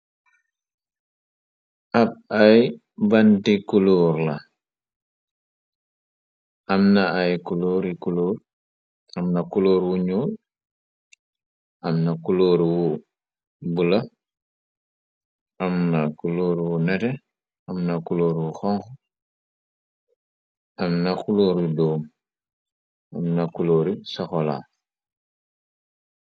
Ab ay banti kuloor la amnaamna kuloor wu ñyuul amna kulooru bu la am na kuloor wu nete amna kuloor u xonku amna kulooru doom amna kuloori saxola.